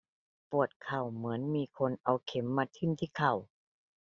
ปวดเข่าเหมือนมีคนเอาเข็มมาทิ่มที่เข่า